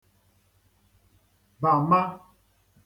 bàma